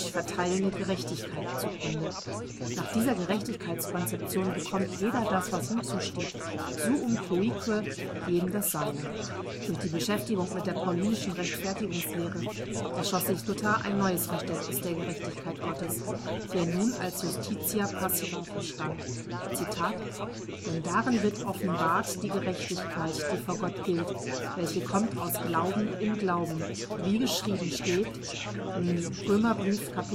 verteilende Gerechtigkeit “) zugrunde. Nach dieser Gerechtigkeitskonzeption bekommt jeder das, was ihm zusteht (suum cuique – jedem das Seine). Durch die Beschäftigung mit der paulinischen Rechtfertigungslehre erschloss sich Luther ein neues Verständnis der Gerechtigkeit Gottes, die er nun als iustitia passiva verstand: „ Denn darin wird offenbart die Gerechtigkeit, die vor Gott gilt, welche kommt aus Glauben in Glauben; wie geschrieben steht: ‚ Der